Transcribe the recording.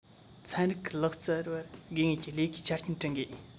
ཚན རིག ལག རྩལ པར དགོས ངེས ཀྱི ལས ཀའི ཆ རྐྱེན བསྐྲུན དགོས